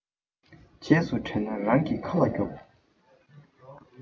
རྗེས སུ དྲན ན རང གི ཁ ལ རྒྱོབ